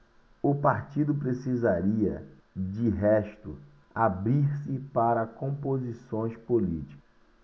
o partido precisaria de resto abrir-se para composições políticas